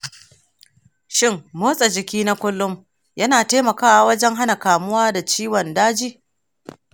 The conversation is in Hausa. shin motsa jiki na kullum yana taimakawa wajen hana kamuwa da ciwon daji?